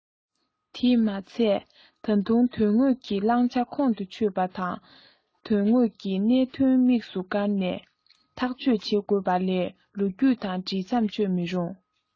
དེས མ ཚད ད དུང དོན དངོས ཀྱི བླང བྱ ཁོང དུ ཆུད པ དང དོན དངོས ཀྱི གནད དོན དམིགས སུ བཀར ནས ཐག གཅོད བྱེད དགོས པ ལས ལོ རྒྱུས དང འབྲེལ མཚམས གཅོད མི རུང